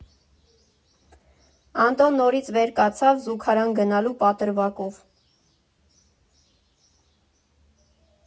Անդոն նորից վեր կացավ՝ զուգարան գնալու պատրվակով։